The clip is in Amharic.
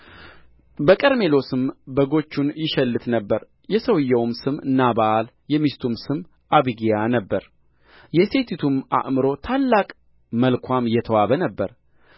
በቀርሜሎስም በጎቹን ይሸልት ነበር የሰውዮውም ስም ናባል የሚስቱም ስም አቢግያ ነበረ የሴቲቱም አእምሮ ታላቅ መልክዋም የተዋበ ነበረ